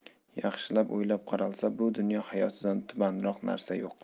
yaxshilab o'ylab qaralsa bu dunyo hayotidan tubanroq narsa yo'q